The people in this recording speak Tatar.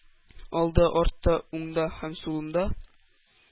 Алда, артта, уңда һәм сулымда